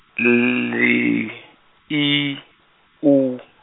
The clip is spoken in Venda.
L I I U.